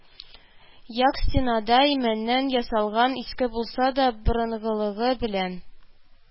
Як стенада имәннән ясалган, иске булса да борынгылыгы белән